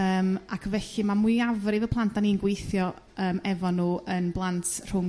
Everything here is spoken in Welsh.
Yrm ac felly ma' mwyafrif y plant dani'n gweithio yrm efo nhw yn blant rhwng